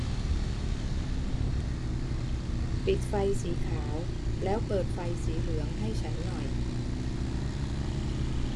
ปิดไฟสีขาวแล้วเปิดไฟสีเหลืองให้ฉันหน่อย